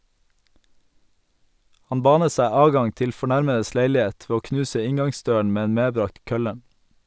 Han banet seg adgang til fornærmedes leilighet ved å knuse inngangsdøren med en medbrakt kølle.